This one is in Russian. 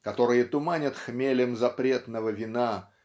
которые туманят хмелем запретного вина